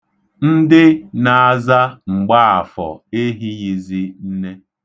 Ndị na-aza Mgbaafọ ehighịzi nne.